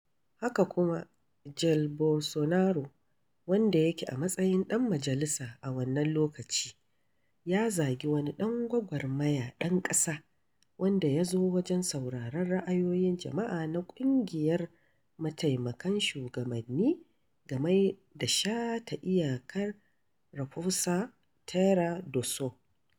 Haka kuma, Jair Bolsonaro, wanda yake a matsayin ɗan majalisa a wannan lokaci, ya zagi wani ɗan gwagwarmaya ɗan ƙasa wanda ya zo wajen sauraren ra'ayoyin jama'a na ƙungiyar mataimakan shugabanni game da shata iyakar Raposa Terra do Sol.